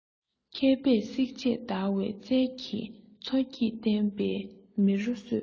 མཁས པས བསྲེགས བཅད བརྡར བའི རྩལ གྱིས མཚོ སྐྱེས བསྟན པའི མེ རོ གསོས